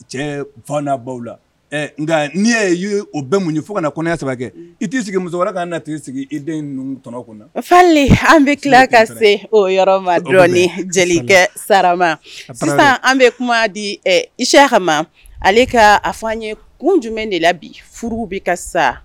Cɛ bannabaw la nka n'i' y o bɛn mun fo kana na kɔɲɔya saba kɛ i t'i sigi musokɔrɔba ka na t sigi i den ninnu tɔnɔ kɔnɔ fa an bɛ tila ka se o yɔrɔ dɔn jelikɛ sarama an bɛ kuma di i seya kama ale ka a fɔ an ye kun jumɛn de la bi furu bɛ ka sa